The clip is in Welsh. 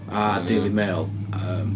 A... mm. ...y Daily Mail, yym.